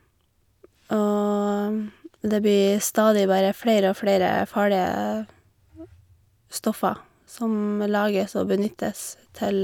Og det blir stadig bare flere og flere farlige stoffer som lages og benyttes til...